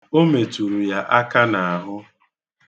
O metụrụ ya aka n'ahụ.